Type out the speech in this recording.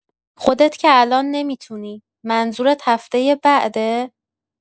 خودت که الان نمی‌تونی، منظورت هفته بعده؟